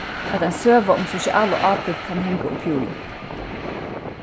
at ein søga um sosiala ábyrgd kann hanga uppií